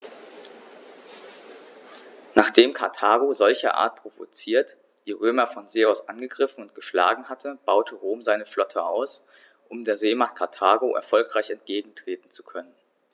Nachdem Karthago, solcherart provoziert, die Römer von See aus angegriffen und geschlagen hatte, baute Rom seine Flotte aus, um der Seemacht Karthago erfolgreich entgegentreten zu können.